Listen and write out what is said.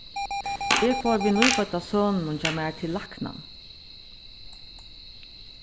eg fór við nýfødda soninum hjá mær til læknan